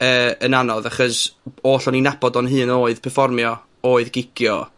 yy, yn anodd acos, oll o'n i'n nabod o'n hun oedd perfformio, oedd gigio.